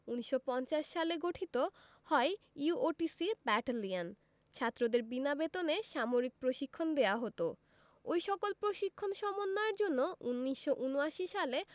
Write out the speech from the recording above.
১৯৫০ সালে গঠিত হয় ইউওটিসি ব্যাটালিয়ন ছাত্রদের বিনা বেতনে সামরিক প্রশিক্ষণ দেওয়া হতো ওই সকল প্রশিক্ষণ সমন্বয়ের জন্য ১৯৭৯ সালে